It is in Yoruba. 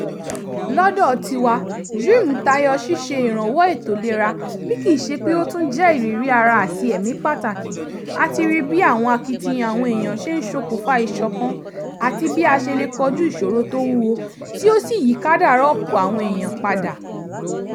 Lọ́dọ̀ ti wa, DREAM tayọ ṣíṣe ìrànwọ̀ ètò ìlerá bí kìí ṣe pé ó tún jẹ́ ìrírí ara àti ẹ̀mí pàtàkì: a ti rí bí àwọn akitiyan àwọn eèyàn ṣe ń ṣokùnfà ìṣòkan àti bí a ṣe lè kojú ìṣòro tó wúwo, tí ó sì yí kádàrá ọ̀pọ̀ awọn eèyàn padà.